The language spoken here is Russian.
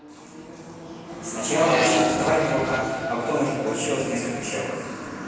сначала я учился вставать на руках а потом уже получилось несколько счетов